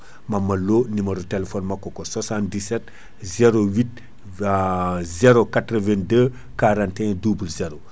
Mamadou Lo numéro téléphone makko ko 77 08 0 82 41 00